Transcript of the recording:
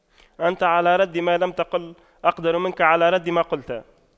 أنت على رد ما لم تقل أقدر منك على رد ما قلت